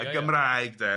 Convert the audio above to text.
Y Gymraeg de.